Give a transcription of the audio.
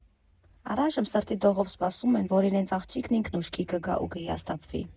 Առայժմ սրտի դողով սպասում են, որ իրենց աղջիկն ինքն ուշքի կգա ու կհիասթափվի։